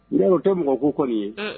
o tɛ mɔgɔ ko kɔni ye